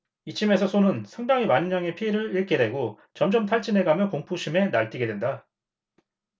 이쯤에서 소는 상당히 많은 양의 피를 잃게 되고 점점 탈진해 가며 공포심에 날뛰게 된다